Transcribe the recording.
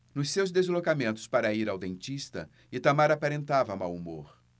nos seus deslocamentos para ir ao dentista itamar aparentava mau humor